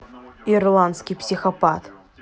ирландский психопат